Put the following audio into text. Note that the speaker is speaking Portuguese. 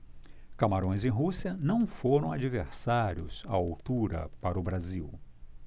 camarões e rússia não foram adversários à altura para o brasil